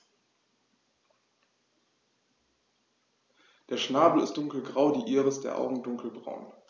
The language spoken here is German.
Der Schnabel ist dunkelgrau, die Iris der Augen dunkelbraun.